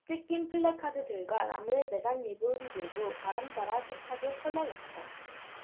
찢긴 플래카드들과 나무에 매단 리본들도 바람 따라 세차게 펄럭였다